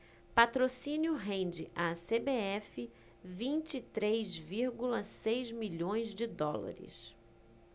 patrocínio rende à cbf vinte e três vírgula seis milhões de dólares